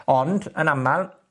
Ond, yn amal,